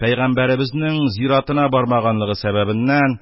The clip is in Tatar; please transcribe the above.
Пәйгамбәребезнең зиратына бармаганлыгы сәбәбеннән